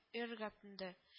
Өрергә тотынды